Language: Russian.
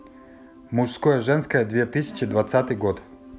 мужское женское две тысячи двадцатый год